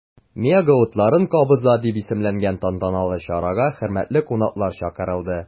“мега утларын кабыза” дип исемләнгән тантаналы чарага хөрмәтле кунаклар чакырылды.